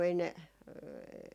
ei ne